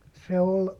se oli